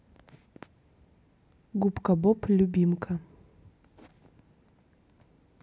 губка боб любимка